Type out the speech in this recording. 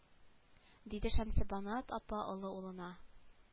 Диде шәмсебанат апа олы улына